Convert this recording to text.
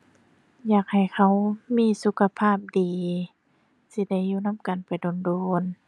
อยากให้เขามีสุขภาพดี สิได้อยู่นำกันไปโดนโดน